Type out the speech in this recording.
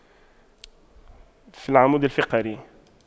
في العمود الفقري